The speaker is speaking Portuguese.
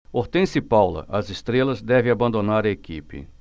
hortência e paula as estrelas devem abandonar a equipe